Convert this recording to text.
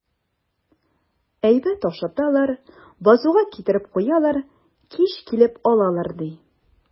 Әйбәт ашаталар, басуга китереп куялар, кич килеп алалар, ди.